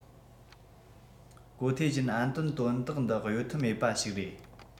གོ ཐའེ ཅུན ཨན དོན དག འདི གཡོལ ཐབས མེད པ ཞིག རེད